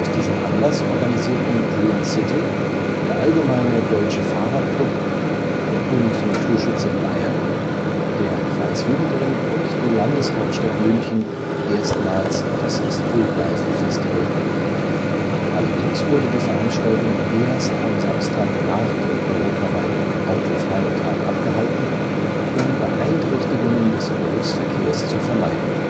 diesem Anlass organisierten Green City, der Allgemeine Deutsche Fahrrad-Club, der Bund Naturschutz in Bayern, der Kreisjugendring und die Landeshauptstadt München erstmals das Streetlife Festival. Allerdings wurde die Veranstaltung erst am Samstag nach dem europaweiten autofreien Tag abgehalten, um Beeinträchtigungen des Berufsverkehrs zu vermeiden